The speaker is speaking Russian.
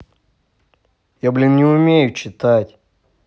я блин не умею читать